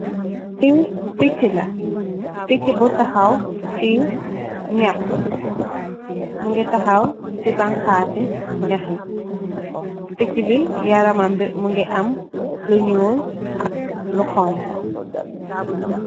Li pejeh laah , pejeh buuh tahaww si chaah mukeeh tahaww si banhass si chaaheeh , pejeh bi yaramam beeh mukeh ahh meh luuh nul , lu honha.